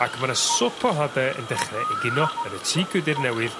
Ac ma' 'na swp o hade yn dechre egino yn y tŷ gwydyr newydd